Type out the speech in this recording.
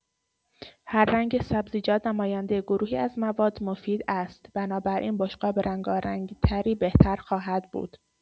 هر رنگ سبزیجات نماینده گروهی از مواد مفید است، بنابراین بشقاب رنگارنگ‌تری بهتر خواهد بود.